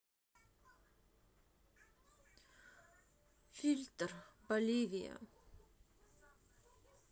фильтр боливия